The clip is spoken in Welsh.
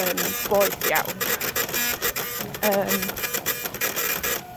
yn boeth iawn. Yym.